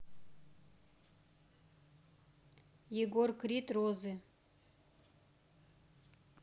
егор крид розы